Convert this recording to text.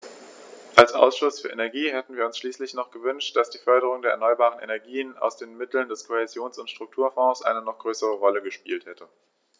Als Ausschuss für Energie hätten wir uns schließlich noch gewünscht, dass die Förderung der erneuerbaren Energien aus den Mitteln des Kohäsions- und Strukturfonds eine noch größere Rolle gespielt hätte.